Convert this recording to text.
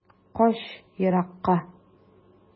Кач еракка.